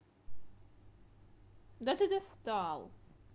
да ты достал